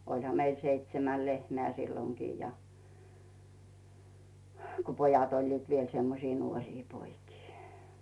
olihan meillä seitsemän lehmää silloinkin ja - kun pojat olivat vielä semmoisia nuoria poikia